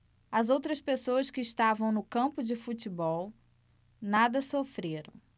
as outras pessoas que estavam no campo de futebol nada sofreram